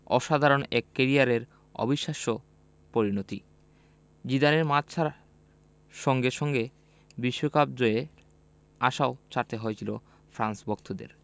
অসাধারণ এক ক্যারিয়ারের অবিশ্বাস্য পরিণতি জিদানের মাঠ ছাড়ার সঙ্গে সঙ্গে বিশ্বকাপ জয়ের আশাও ছাড়তে হয়েছিল ফ্রান্স ভক্তদের